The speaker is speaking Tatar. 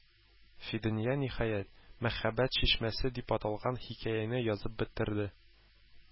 Фидания, ниһаять, "Мәхәббәт чишмәсе" дип аталган хикәяне язып бетерде.